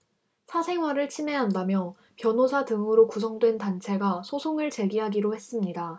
사생활을 침해한다며 변호사 등으로 구성된 단체가 소송을 제기하기로 했습니다